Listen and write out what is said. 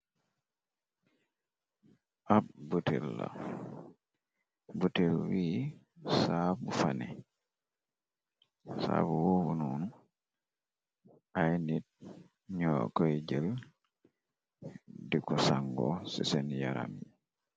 Ab butel butil wii saabu fane saabu wowununu ay nit ñoo koy jël di ko sangoo ci seen yaram yi.